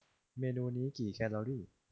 เมนูนี้กี่แคลอรี่